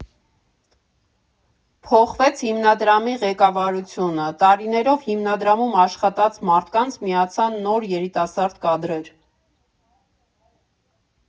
Փոխվեց հիմնադրամի ղեկավարությունը, տարիներով հիմնադրամում աշխատած մարդկանց միացան նոր երիտասարդ կադրեր։